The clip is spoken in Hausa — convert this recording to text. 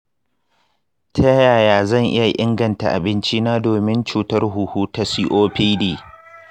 ta yaya zan iya inganta abincina don cutar huhu ta copd?